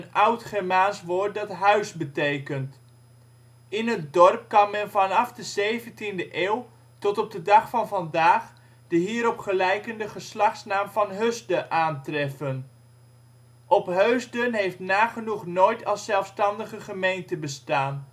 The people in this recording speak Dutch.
oud-Germaans woord dat ' huis ' betekent. In het dorp kan men vanaf de 17e eeuw tot op de dag van vandaag de hierop gelijkende geslachtsnaam Van Husde aantreffen. Opheusden heeft nagenoeg nooit als zelfstandige gemeente bestaan